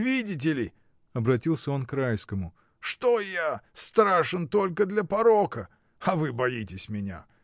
Видите ли, — обратился он к Райскому, — что я страшен только для порока, а вы боитесь меня!